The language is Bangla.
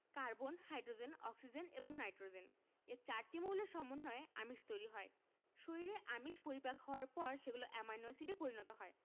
কার্বন হাইড্রোজেন অক্সিজেন এবং নাইট্রোজেন এ চারটি মৌলের সমন্বয়ে আমিষ তৈরি হয় শরীরে আমিষ পরিপাক হওয়ার পর সেগুলো অ্যামাইনো এসিডে পরিণত হয়